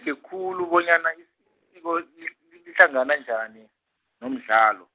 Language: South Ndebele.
-eje khulu bonyana is- -iko li- lihlangana njani nomdlalo.